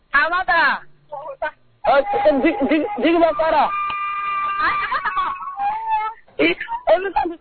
A ma taa? Ɔɔ Djiguiba tara , ayi e tɔgɔ? E i olu